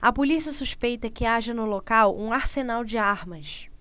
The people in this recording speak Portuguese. a polícia suspeita que haja no local um arsenal de armas